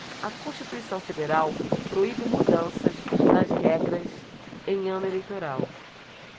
a constituição federal proíbe mudanças nas regras em ano eleitoral